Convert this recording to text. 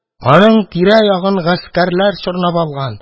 Аның тирә-ягын гаскәрләр чорнап алган.